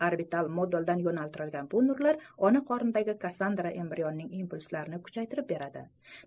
orbital moduldan yo'naltirilgan bu nurlar ona qornidagi kassandra embrionning impul'slarini kuchaytirib beradi